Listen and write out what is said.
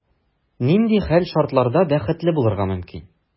Нинди хәл-шартларда бәхетле булырга мөмкин?